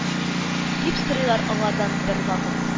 Дип сорыйлар аңардан бервакыт